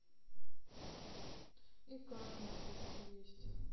и кашу не хочет есть